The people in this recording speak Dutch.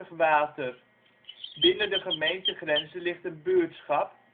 water). Binnen de gemeentegrenzen ligt een buurtschap